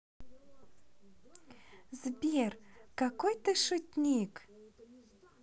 сбер какой ты шутник